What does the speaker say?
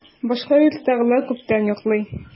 Башка йорттагылар күптән йоклый.